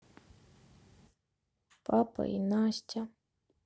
папа и настя